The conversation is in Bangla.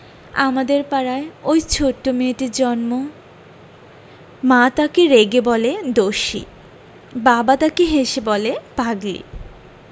আমাদের পাড়ায় ঐ ছোট মেয়েটির জন্ম মা তাকে রেগে বলে দস্যি বাপ তাকে হেসে বলে পাগলি